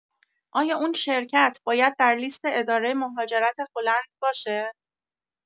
آیا اون شرکت باید در لیست اداره مهاجرت هلند باشه؟